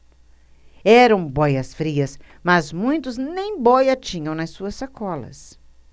eram bóias-frias mas muitos nem bóia tinham nas suas sacolas